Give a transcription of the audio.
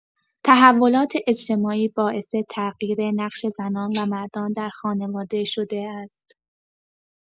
تحولات اجتماعی باعث تغییر نقش زنان و مردان در خانواده شده است.